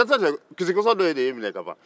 kisikɔsɔ dɔ de y'e minɛ kaban